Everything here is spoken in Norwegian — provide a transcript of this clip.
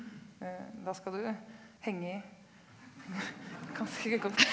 da skal du henge i ganske godt.